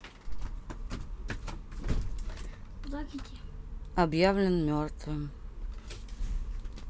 объявлен мертвым